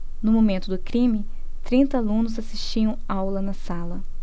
no momento do crime trinta alunos assistiam aula na sala